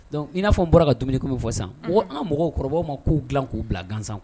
Dɔnkuc in n'a fɔ n bɔra ka dumuni min fɔ san o an mɔgɔkɔrɔbabaww ma k'u dilan k'u bila gansan